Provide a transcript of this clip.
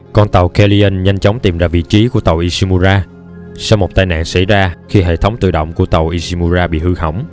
con tàu kellion nhanh chóng tìm ra vị trí của tàu ishimura sau một tai nạn xảy ra khi hệ thống tự động của tàu ishimura bị hư hỏng